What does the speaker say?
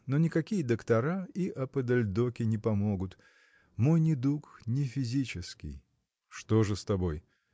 но никакие доктора и оподельдоки не помогут мой недуг не физический. – Что же с тобой?